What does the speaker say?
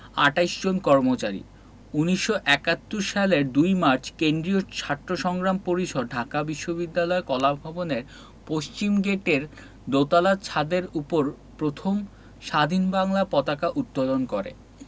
২৮ জন কর্মচারী ১৯৭১ সালের ২ মার্চ কেন্দ্রীয় ছাত্র সংগ্রাম পরিষদ ঢাকা বিশ্ববিদ্যালয় কলাভবনের পশ্চিমগেটের দোতলার ছাদের উপর প্রথম স্বাধীন বাংলার পতাকা উত্তোলন করে